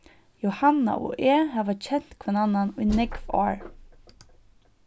jóhanna og eg hava kent hvønn annan í nógv ár